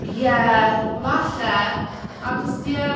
Ie falle I just yeah.